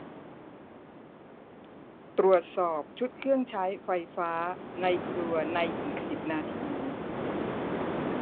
ตรวจสอบชุดเครื่องใช้ไฟฟ้าในครัวในอีกสิบนาที